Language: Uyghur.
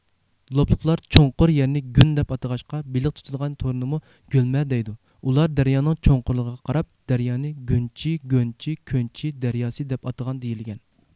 لوپلۇقلار چوڭقۇر يەرنى گۈن دەپ ئاتىغاچقا بېلىق تۇتىدىغان تورنىمۇ گۆلمە دەيدۇ ئۇلار دەريانىڭ چوڭقۇرلۇقىغا قاراپ دەريانى گۈنچى گۆنچى كۆنچى دەرياسى دەپ ئاتىغان دېيىلگەن